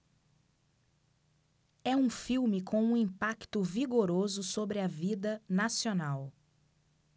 é um filme com um impacto vigoroso sobre a vida nacional